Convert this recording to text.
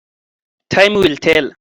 Time will tell.